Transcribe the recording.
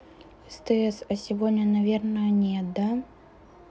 стс а сегодня наверное нет да